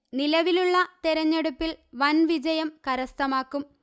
നിലവിലുള്ള തെരഞ്ഞെടുപ്പില് വന് വിജയം കരസ്ഥമാക്കും